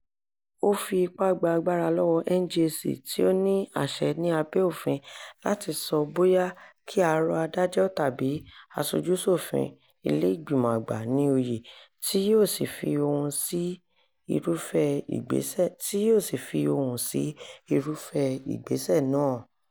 Ó fi ipá gba agbára lọ́wọ́ NJC tí ó ní àṣẹ ní abẹ́ òfin láti sọ bóyá kí a rọ adájọ́ tàbí aṣojú-ṣòfin (ilé ìgbìmọ̀ àgbà) ní oyè, tí yóò sì fi ohùn sí irúfẹ́ ìgbésẹ̀ náà.